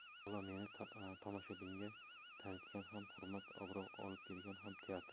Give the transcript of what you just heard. avvalo meni tomoshabinga tanitgan ham hurmat obro' olib bergan ham teatr